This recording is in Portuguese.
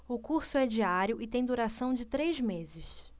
o curso é diário e tem duração de três meses